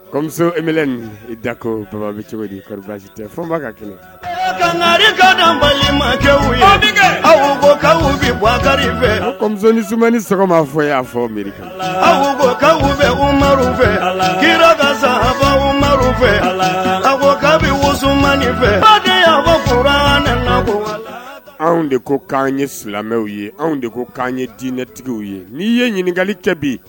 Mi da ko bɛ cogo tɛ kakɛ awkari fɛumanninma fɔ y'a fɔ mi aw ma fɛ sa aw fɛ ka bɛ woma fɛ y' fɔ ko ko anw de ko'an ye silamɛmɛw ye anw de ko'an ye dinɛtigiww ye n' ye ɲininkakali cɛ bi